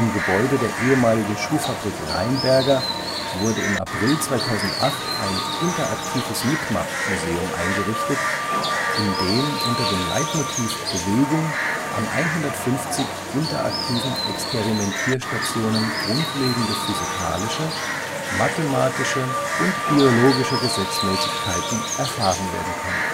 Gebäude der ehemaligen Schuhfabrik Rheinberger wurde im April 2008 ein „ interaktives Mitmachmuseum “eingerichtet, in dem unter dem Leitmotiv „ Bewegung “an 150 interaktiven Experimentierstationen grundlegende physikalische, mathematische und biologische Gesetzmäßigkeiten erfahren werden können